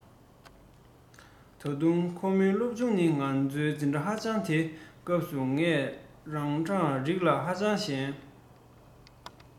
ད དུང ཁོ མོའི སློབ ཁྲིད ནི ང ཚོའི འཛིན གྲྭ ཧ ཅང དེའི སྐབས སུ ང རང གྲངས རིག ལ ཧ ཅང ཞན